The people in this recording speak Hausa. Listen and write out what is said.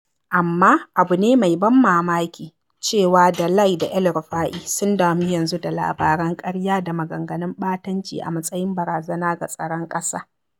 Amma, abu ne mai ban mamaki cewa da Lai da El-Rufa'i sun damu yanzu da labaran ƙarya da maganganun ɓatanci a matsayin barazana ga tsaron ƙasa.